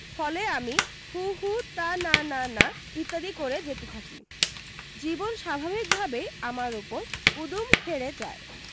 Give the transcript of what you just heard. ফলে আমি হুঁ হুঁ তানানানা ইত্যাদি করে যেতে থাকি জীবন স্বাভাবিকভাবেই আমার উপর উদুম খেঁড়ে যায়